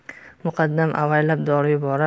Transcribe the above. muqaddam avaylab dori yuborar